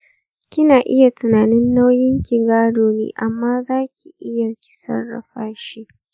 kina iya tunanin nauyinki gado ne, amma har yanzu za ki iya sarrafa shi.